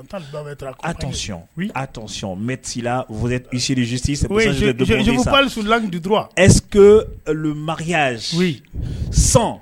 Ɔn mɛ larizsi la ɛspmaya